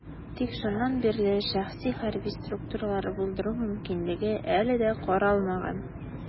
Тик шуннан бирле шәхси хәрби структуралар булдыру мөмкинлеге әле дә каралмаган.